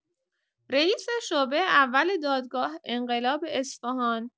رییس شعبه اول دادگاه انقلاب اصفهان